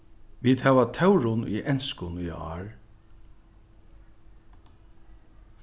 vit hava tórunn í enskum í ár